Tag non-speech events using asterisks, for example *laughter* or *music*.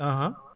*hesitation* *hesitation*